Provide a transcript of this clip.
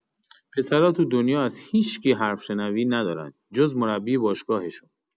پسرا تو دنیا از هیشکی حرف‌شنوی ندارن جز مربی باشگاهشون؛